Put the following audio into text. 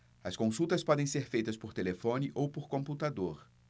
as consultas podem ser feitas por telefone ou por computador